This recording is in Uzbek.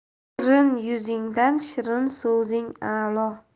shirin yuzingdan shirin so'zing a'lo